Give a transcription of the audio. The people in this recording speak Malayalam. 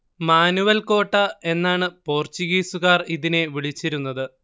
മാനുവൽ കോട്ട എന്നാണ് പോർച്ചുഗീസുകാർ ഇതിനെ വിളിച്ചിരുന്നത്